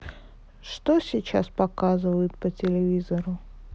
что сейчас показывают по телевизору